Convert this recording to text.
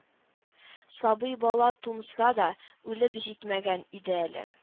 Сабый бала туңса да, үлеп җитмәгән иде әле